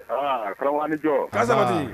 Aa karamɔgɔ ani jɔ k'an sabati.